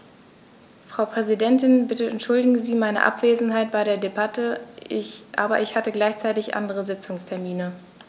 Frau Präsidentin, bitte entschuldigen Sie meine Abwesenheit bei der Debatte, aber ich hatte gleichzeitig andere Sitzungstermine.